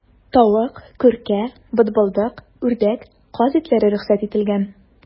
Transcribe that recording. Тавык, күркә, бытбылдык, үрдәк, каз итләре рөхсәт ителгән.